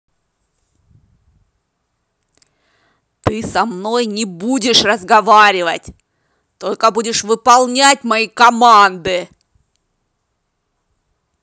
ты со мной не будешь разговаривать только будешь выполнять мои команды